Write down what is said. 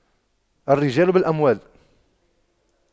الرجال بالأموال